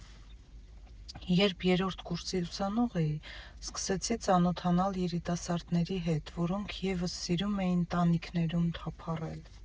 Երբ երրորդ կուրսի ուսանող էի, սկսեցի ծանոթանալ երիտասարդների հետ, որոնք ևս սիրում էին տանիքներում թափառել։